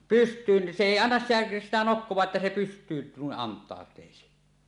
pystyyn se ei anna sitä sitä nokkaansa että se pystyyn noin antautuisi